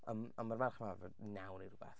A m- a ma'r ferch 'ma naw neu rywbeth.